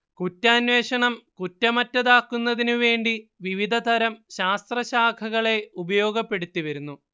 കുറ്റാന്വേഷണം കുറ്റമറ്റതാക്കുന്നതിന് വേണ്ടി വിവിധതരം ശാസ്ത്രശാഖകളെ ഉപയോഗപ്പെടുത്തിവരുന്നു